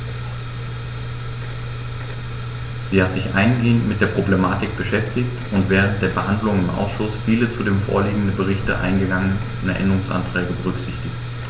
Sie hat sich eingehend mit der Problematik beschäftigt und während der Behandlung im Ausschuss viele zu dem vorliegenden Bericht eingegangene Änderungsanträge berücksichtigt.